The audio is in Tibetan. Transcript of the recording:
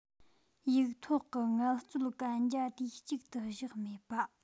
ཡིག ཐོག གི ངལ རྩོལ གན རྒྱ དུས གཅིག ཏུ བཞག མེད པ